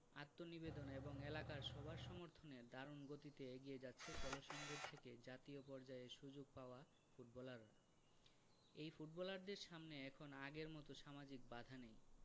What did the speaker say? আত্মনিবেদন এবং এলাকার সবার সমর্থনে দারুণ গতিতে এগিয়ে যাচ্ছে কলসিন্দুর থেকে জাতীয় পর্যায়ে সুযোগ পাওয়া ফুটবলাররা এই ফুটবলারদের সামনে এখন আগের মতো সামাজিক বাধা নেই